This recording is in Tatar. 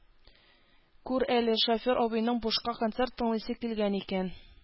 Күр әле, шофер абыйның бушка концерт тыңлыйсы килгән икән